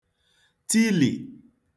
tilì